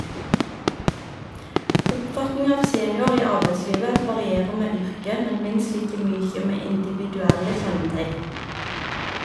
Oppfatninga av seniorar i arbeidslivet varierer med yrke, men minst like mykje med individuelle kjenneteikn.